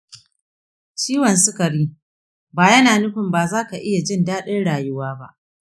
ciwon sukari ba yana nufin ba za ka iya jin daɗin rayuwa ba.